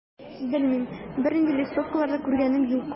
Белмим, бернинди листовкалар да күргәнем юк.